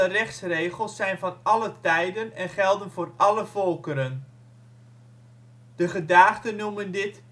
rechtsregels zijn van alle tijden en gelden voor alle volkeren. De gedaagden noemden dit